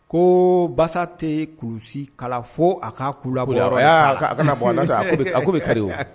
Ko basa tɛ kulusi kala fo a ka a ku labɔ yɔrɔ de k'a la. . Aa a kana bɔ, n'o tɛ a ku bɛ bɛ kari.